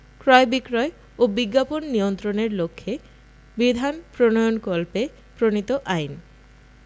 ক্রয় বিক্রয় ও বিজ্ঞাপন নিয়ন্ত্রণের লক্ষ্যে বিধান প্রণয়নকল্পে প্রণীত আইন